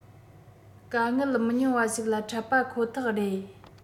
དཀའ ངལ མི ཉུང བ ཞིག ལ འཕྲད པ ཁོ ཐག རེད